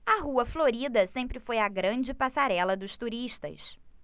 a rua florida sempre foi a grande passarela dos turistas